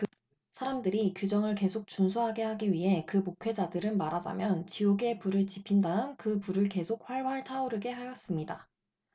사람들이 규정을 계속 준수하게 하기 위해 그 목회자들은 말하자면 지옥의 불을 지핀 다음 그 불을 계속 활활 타오르게 하였습니다